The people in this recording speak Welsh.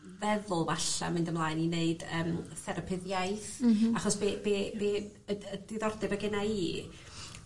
feddwl falla mynd ymlaen i neud yym therapydd iaith. M-hm. Achos be' be' be' y dy- y diddordeb o'dd genna i